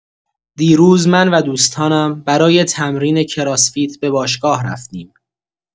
دیروز من و دوستانم برای تمرین کراس‌فیت به باشگاه رفتیم.